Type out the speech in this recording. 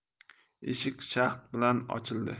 eshik shaxt bilan ochildi